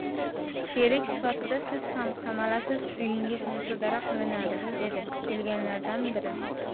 sherik sifatida siz ham qamalasiz uyingiz musodara qilinadi dedi kelganlardan biri